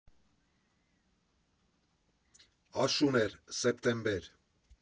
Աշուն էր, սեպտեմբեր։